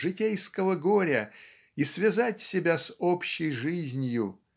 житейского горя и связать себя с общей жизнью